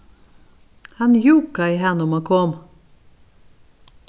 hann júkaði hana um at koma